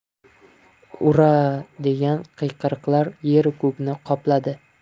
uraaa degan qiyqiriqlar yeru ko'kni qopladi